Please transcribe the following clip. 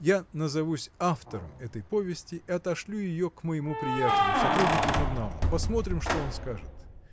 я назовусь автором этой повести и отошлю ее к моему приятелю сотруднику журнала посмотрим, что он скажет.